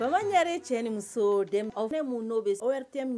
Faamare cɛ aw minnu'o bɛre tɛ